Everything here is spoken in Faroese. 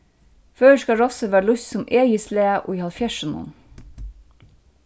føroyska rossið varð lýst sum egið slag í hálvfjerðsunum